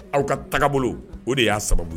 Aw ka taga bolo o de y'a sababu